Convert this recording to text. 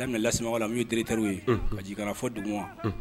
Ala sa sama la n ye teri tari ye ka jiginkala fɔ dugu wa